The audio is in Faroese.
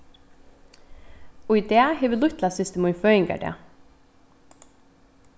í dag hevur lítlasystir mín føðingardag